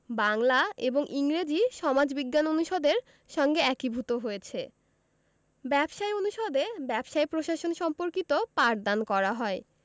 বাংলা এবং ইংরেজি সমাজবিজ্ঞান অনুষদের সঙ্গে একীভূত হয়েছে ব্যবসায় অনুষদে ব্যবসায় প্রশাসন সম্পর্কিত পাঠদান করা হয়